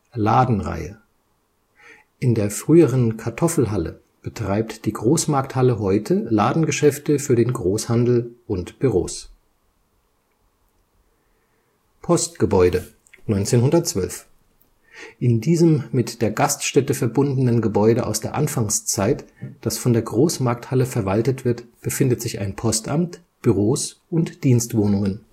Ladenreihe,: In der früheren Kartoffelhalle betreibt die Großmarkthalle heute Ladengeschäfte für den Großhandel und Büros. Postgebäude, 1912: In diesem mit der Gaststätte verbundenen Gebäude aus der Anfangszeit, das von der Großmarkthalle verwaltet wird, befindet sich ein Postamt, Büros und Dienstwohnungen